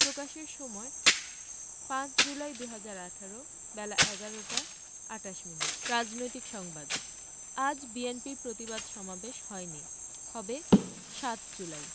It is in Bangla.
প্রকাশের সময় ৫ জুলাই ২০১৮ বেলা১১টা ২৮ মিনিট রাজনৈতিক সংবাদ আজ বিএনপির প্রতিবাদ সমাবেশ হয়নি হবে ৭ জুলাই